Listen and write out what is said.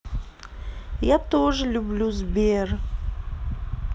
я тоже люблю сбер